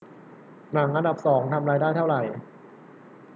หนังอันดับสองทำรายได้เท่าไหร่